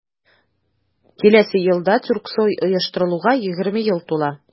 Киләсе елда Тюрксой оештырылуга 20 ел тула.